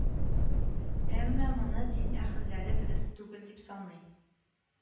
Әмма моны дин әһелләре дөрес түгел дип саный